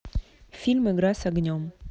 фильм игра с огнем